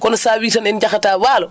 kono so a wiyii tan en njahataa waalo